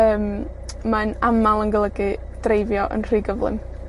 yym, mae'n amal yn golygu dreifio yn rhy gyflym.